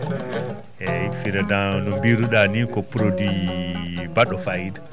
eeyi "frident" no mbiiruɗaa nii ko produit mbaɗɗo fayida